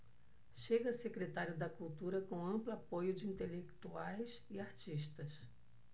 chega a secretário da cultura com amplo apoio de intelectuais e artistas